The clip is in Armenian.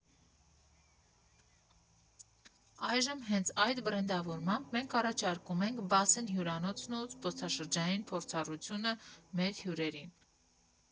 Այժմ հենց այդ բրենդավորմամբ մենք առաջարկում ենք «Բասեն» հյուրանոցն ու զբոսաշրջային փորձառությունը մեր հյուրերին։